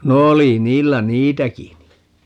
no oli niillä niitäkin niin